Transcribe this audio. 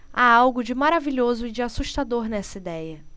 há algo de maravilhoso e de assustador nessa idéia